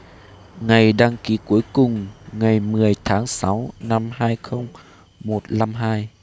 ngày đăng ký cuối cùng ngày mười tháng sáu năm hai không một lăm hai